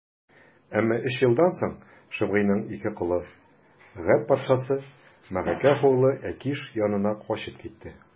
Әмма өч елдан соң Шимгыйның ике колы Гәт патшасы, Мәгакәһ углы Әкиш янына качып китте.